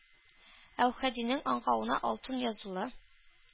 Әүхәдинең аңкавына алтын язулы